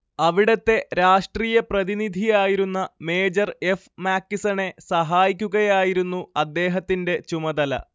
അവിടത്തെ രാഷ്ട്രീയപ്രതിനിധിയായിരുന്ന major F മാക്കിസണെ സഹായിക്കുകയായിരുന്നു അദ്ദേഹത്തിന്റെ ചുമതല